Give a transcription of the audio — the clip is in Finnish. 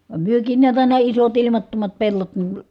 vaan mekin näet aina isot ilmattomat pellot -